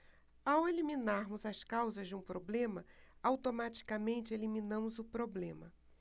ao eliminarmos as causas de um problema automaticamente eliminamos o problema